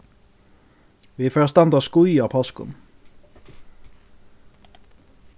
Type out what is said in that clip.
vit fara at standa á skíð á páskum